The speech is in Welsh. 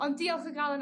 Ond diolch o galon...